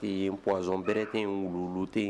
Si pɔz bererɛte in wulute